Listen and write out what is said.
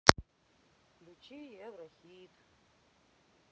включи еврохип